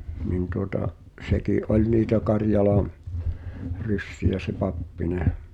niin tuota sekin oli niitä Karjalan ryssiä se Pappinen